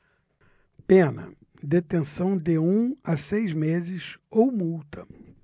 pena detenção de um a seis meses ou multa